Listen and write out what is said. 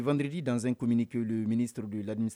Vendredi dans un communiqué le ministre de l'administration